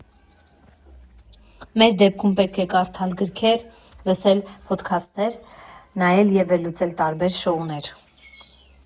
Մեր դեպքում պետք է կարդալ գրքեր, լսել փոդքասթներ, նայել ու վերլուծել տարբեր շոուներ։